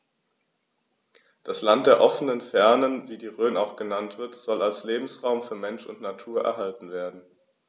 Das „Land der offenen Fernen“, wie die Rhön auch genannt wird, soll als Lebensraum für Mensch und Natur erhalten werden.